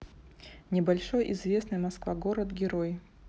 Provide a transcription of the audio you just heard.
небольшой известный москва город герой